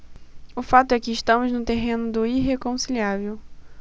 o fato é que estamos no terreno do irreconciliável